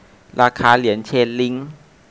ราคาเหรียญเชนลิ้ง